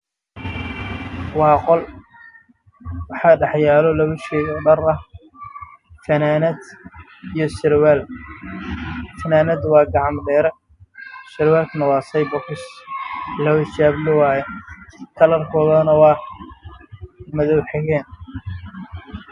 Waxaa yaalla meeshan sarwaal madow ay funaanad madow ah